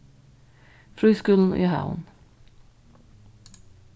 frískúlin í havn